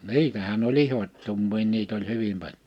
niitähän oli ihottumia niitä oli hyvin paljon